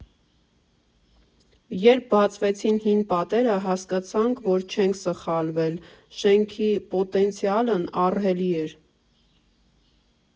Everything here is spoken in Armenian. Երբ բացվեցին հին պատերը, հասկացանք, որ չենք սխալվել, շենքի պոտենցիալն ահռելի էր։